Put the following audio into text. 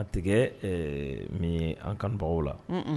A tɛgɛ min an kanubagaw la